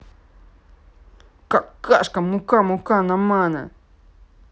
какашка мука мука намана